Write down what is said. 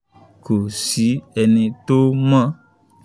Kò sí ẹni tó mọ̀.